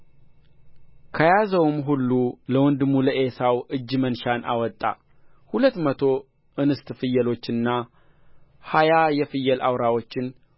ከያዘውም ሁሉ ለወንድሙ ለዔሳው እጅ መንሻን አወጣ ሁለት መቶ እንስት ፍየሎችንና ሀያ የፍየል አውራዎችን